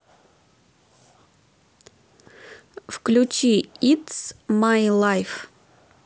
включи итс май лайф